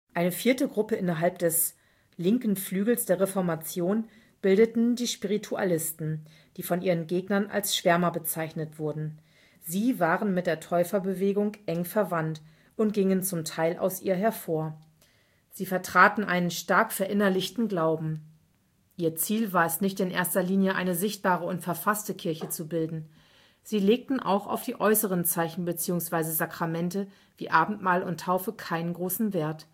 Eine vierte Gruppe innerhalb des „ linken Flügels der Reformation “bildeten die Spiritualisten, die von ihren Gegnern als Schwärmer bezeichnet wurden. Sie waren mit der Täuferbewegung eng verwandt und gingen zum Teil aus ihr hervor. Sie vertraten einen stark verinnerlichten Glauben. Ihr Ziel war es nicht in erster Linie, eine sichtbare und verfasste Kirche zu bilden. Sie legten auch auf die äußeren Zeichen bzw. Sakramente wie Abendmahl und Taufe keinen großen Wert